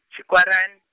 Tshikwaran-.